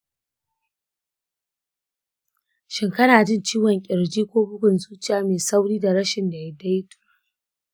shin kana jin ciwon ƙirji ko bugun zuciya mai sauri da rashin daidaito?